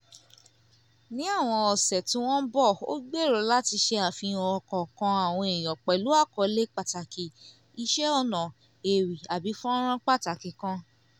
Ní àwọn ọ̀sẹ̀ tí wọ́n ń bọ̀, a gbèrò láti ṣe àfihàn ọ̀kọ̀ọ̀kan àwọn èèyàn pẹ̀lú àkọọ́lẹ̀ pàtàkì, iṣẹ́ ọnà, ewì, àbí fọ́nràn pàtàkì kan.